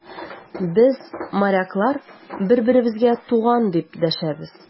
Без, моряклар, бер-беребезгә туган, дип дәшәбез.